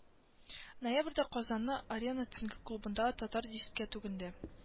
Ноябрьдә казаннын арена төнге клубындагы татар дискәтүгендә